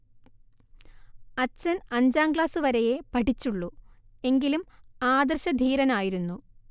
അച്ഛൻ അഞ്ചാം ക്ലാസുവരെയെ പഠിച്ചുള്ളൂ എങ്കിലും ആദർശധീരനായിരുന്നു